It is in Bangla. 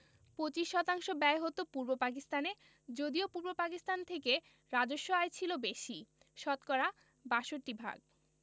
২৫% ব্যয় হতো পূর্ব পাকিস্তানে যদিও পূর্ব পাকিস্তান থেকে রাজস্ব আয় ছিল বেশি শতকরা ৬২ ভাগ